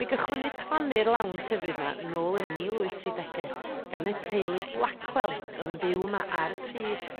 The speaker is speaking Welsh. Mi gychwynud plannu'r lawn hyfryd 'ma nôl yn y mil wyth tri dege gan y teulu Blackwell o'dd yn byw 'ma ar y pryd.